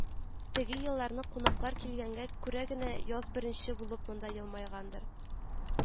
Теге елларны кунаклар килгәнгә күрә генә яз беренче булып монда елмайгандыр